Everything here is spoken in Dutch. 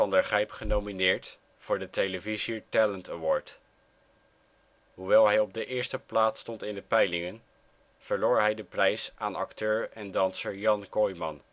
der Gijp genomineerd voor de Televizier Talent Award. Hoewel hij op de eerste plaats stond in de peilingen, verloor hij de prijs aan acteur en danser Jan Kooijman